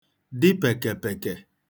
dị pèkèpèkè